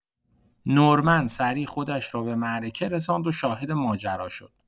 نورمن سریع خودش را به معرکه رساند و شاهد ماجرا شد.